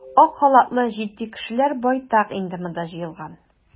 Ак халатлы җитди кешеләр байтак инде монда җыелган.